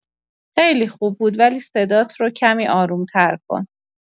خیلی خوب بود، ولی صدات رو کمی آروم‌تر کن.